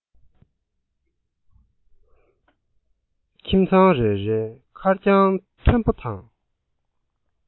ཁྱིམ ཚང རེ རེའི མཁར གྱང མཐོན པོ དང